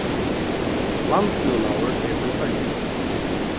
landbúnaður er í føroyum